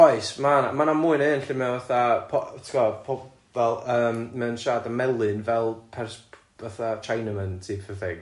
Oes ma' 'na ma' yna mwy na un lle ma' fatha po- ti'bod pob- fel yym ma'n siarad am melyn fel pers- fatha Chinaman type of thing.